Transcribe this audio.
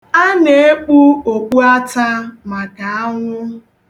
A na-ekpu okpuata maka anwụ.